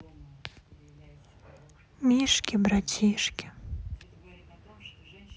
мишки братишки